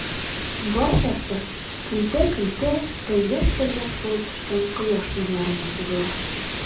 Барчасы көлтә-көлтә, тәлгәш-тәлгәш булып төшкән кояш нурларына сузыла.